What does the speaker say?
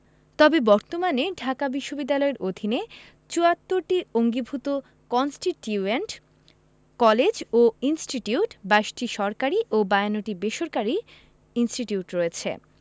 তবে বর্তমানে ঢাকা বিশ্ববিদ্যালয়ের অধীনে ৭৪টি অঙ্গীভুত কন্সটিটিউয়েন্ট কলেজ ও ইনস্টিটিউট ২২টি সরকারি ও ৫২টি বেসরকারি ইনস্টিটিউট রয়েছে